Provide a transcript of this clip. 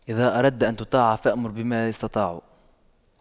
إذا أردت أن تطاع فأمر بما يستطاع